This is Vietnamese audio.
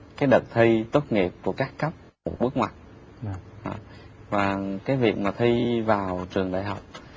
cái đợt thi tốt nghiệp của các cấp một bước ngoặt và cái việc mà thi vào trường đại học